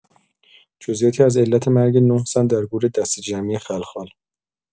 جزئیاتی از علت مرگ ۹ زن در گور دسته‌جمعی خلخال.